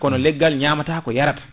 kono leggal ñamotako yarat